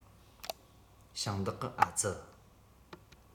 ཞིང བདག གི ཨ ཙི